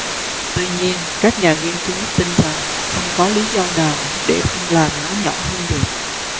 tuy nhiên các nhà nghiên cứu tin rằng không có lý do nào để không làm nó nhỏ hơn được